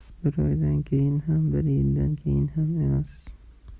bir oydan keyin ham bir yildan keyin ham emas